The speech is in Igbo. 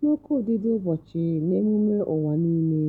n'oke ụdịdịụbọchị n'emume ụwa niile.